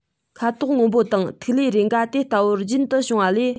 ཁ དོག སྔོན པོ དང ཐིག ལེ རེ འགའ དེ ལྟ བུར རྒྱུན དུ བྱུང བ ལས